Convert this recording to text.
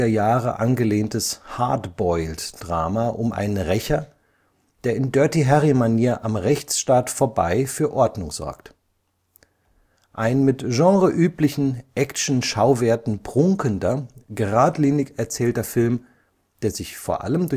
1970er-Jahre angelehntes „ Hard Boiled “- Drama um einen Rächer, der in „ Dirty Harry “- Manier am Rechtsstaat vorbei für Ordnung sorgt. Ein mit genreüblichen Action-Schauwerten prunkender, geradlinig erzählter Film, der sich vor allem